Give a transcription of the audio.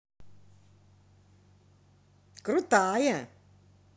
крутая